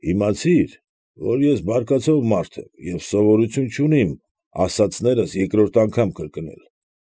Իմացիր, որ ես բարկացող մարդ եմ և սովորություն չունիմ ասածներս երկրորդ անգամ կրկնել։